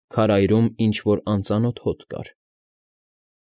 Քարայրում ինչ֊որ անծանոթ հոտ կար։